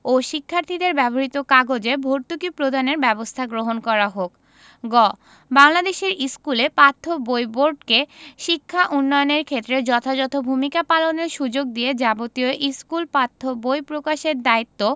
ও শিক্ষার্থীদের ব্যবহৃত কাগজে ভর্তুকি প্রদানের ব্যবস্থা গ্রহণ করা হোক গ বাংলাদেশের স্কুলে পাঠ্য বই বোর্ডকে শিক্ষা উন্নয়নের ক্ষেত্রে যথাযথ ভূমিকা পালনের সুযোগ দিয়ে যাবতীয় স্কুল পাঠ্য বই প্রকাশের দায়িত্ব